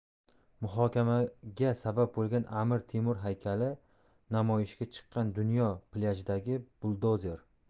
muhokamaga sabab bo'lgan amir temur haykali namoyishga chiqqan dunyo plyajdagi buldozer